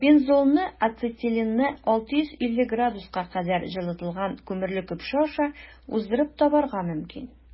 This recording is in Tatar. Бензолны ацетиленны 650 С кадәр җылытылган күмерле көпшә аша уздырып табарга мөмкин.